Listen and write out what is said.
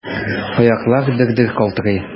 Аяклар дер-дер калтырый.